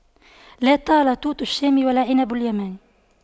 لا طال توت الشام ولا عنب اليمن